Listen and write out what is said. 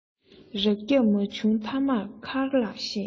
རགས རྒྱག མ བྱུང མཐའ མར མཁར ལ གཤེད